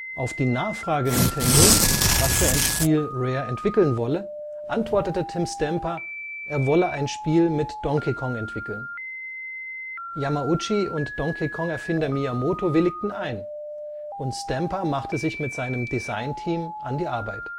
Auf die Nachfrage Nintendos, was für ein Spiel Rare entwickeln wolle, antwortete Tim Stamper, er wolle ein Spiel mit Donkey Kong entwickeln. Yamauchi und Donkey Kong-Erfinder Miyamoto willigten ein, und Stamper machte sich mit seinem Design-Team an die Arbeit